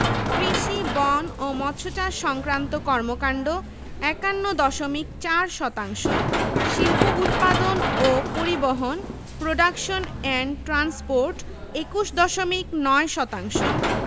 কৃষি বন ও মৎসচাষ সংক্রান্ত কর্মকান্ড ৫১ দশমিক ৪ শতাংশ শিল্প উৎপাদন ও পরিবহণ প্রোডাকশন এন্ড ট্রান্সপোর্ট ২১ দশমিক ৯ শতাংশ